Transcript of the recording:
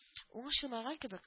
Уңыш елмайган кебек